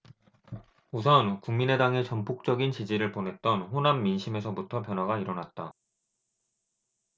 우선 국민의당에 전폭적인 지지를 보냈던 호남 민심에서부터 변화가 일어났다